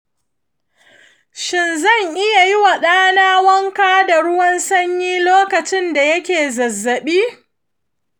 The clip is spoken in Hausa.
shin zan iya yi wa ɗana wanka da ruwan sanyi lokacin da yake zazzabi?